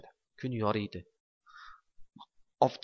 kun yoriydi